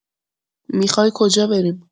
می‌خوای کجا بریم؟